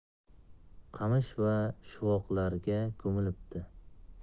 qamish va shuvoqlarga ko'milibdi